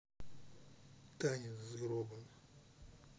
танец с гробом